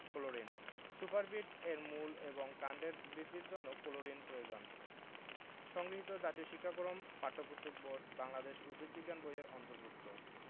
chlorine সুপারবিট এর মূল এবং কাণ্ডের বৃদ্ধির জন্য ক্লোরিন প্রয়োজন সংগৃহীত জাতীয় শিক্ষাক্রম ও পাঠ্যপুস্তক বোর্ড বাংলাদেশ উদ্ভিদ বিজ্ঞান বই এর অন্তর্ভুক্ত